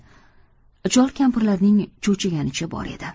chol kampirlarning cho'chiganicha bor edi